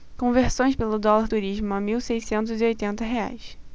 conversões pelo dólar turismo a mil seiscentos e oitenta reais